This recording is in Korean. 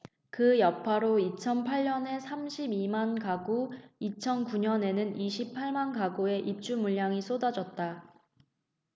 그 여파로 이천 팔 년에 삼십 이 만가구 이천 구 년에는 이십 팔 만가구의 입주물량이 쏟아졌다